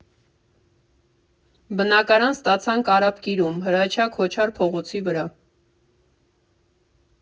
Բնակարան ստացանք Արաբկիրում՝ Հրաչյա Քոչար փողոցի վրա։